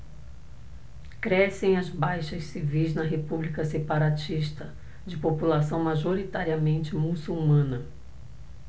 crescem as baixas civis na república separatista de população majoritariamente muçulmana